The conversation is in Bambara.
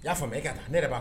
I y'a faamuya e ka ne yɛrɛ'